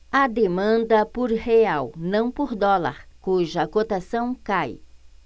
há demanda por real não por dólar cuja cotação cai